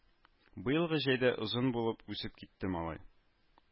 Быелгы җәйдә озын булып үсеп китте малай